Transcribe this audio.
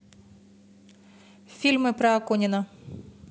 фильмы по акунину